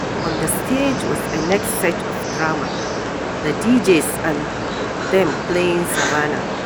On the stage was a next set of drama, the DJs and them playing "Savannah"